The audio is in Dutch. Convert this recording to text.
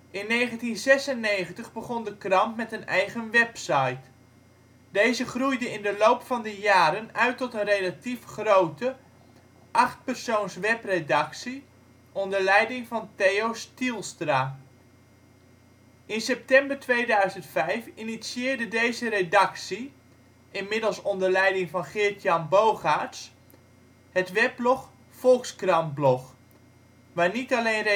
In 1996 begon de krant met een eigen website. Deze groeide in de loop van de jaren uit tot een relatief grote, achtpersoons webredactie onder leiding van Theo Stielstra. In september 2005 initieerde deze redactie (inmiddels onder leiding van Geert-Jan Bogaerts) het weblog Volkskrantblog, waar niet alleen